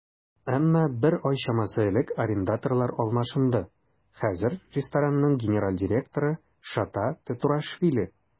Әмма бер ай чамасы элек арендаторлар алмашынды, хәзер ресторанның генераль директоры Шота Тетруашвили.